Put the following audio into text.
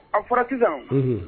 A fɔrati